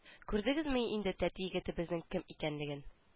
Күрдегезме инде тәти егетебезнең кем икәнлеген